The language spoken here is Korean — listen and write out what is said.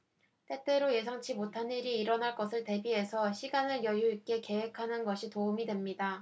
때때로 예상치 못한 일이 일어날 것을 대비해서 시간을 여유 있게 계획하는 것이 도움이 됩니다